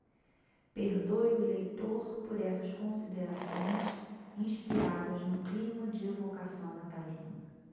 perdoe o leitor por essas considerações inspiradas no clima de evocação natalino